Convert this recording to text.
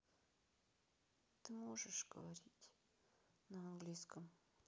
ты можешь говорить на английском